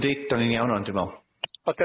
Yndi 'dan ni'n iawn rŵan dwi'n me'wl.